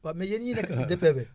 waa mais yéen ñi nekk si DPV